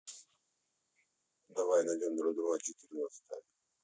давай найдем друг друга четырнадцатая